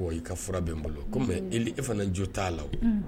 I ka fura n bolo e fana jo t'a la